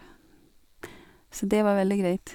Så det var veldig greit.